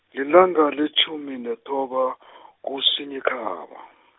lilanga letjhumi nethoba , kuSinyikhaba.